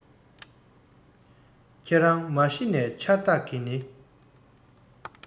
ཁྱེད རང མ གཞི ནས འཆར བདག གི ནི